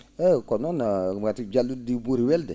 eeyi ko noon maate jullu?i ?i ?uri welde